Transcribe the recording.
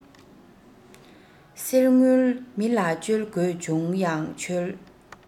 གསེར དངུལ མི ལ བཅོལ དགོས བྱུང ཡང ཆོལ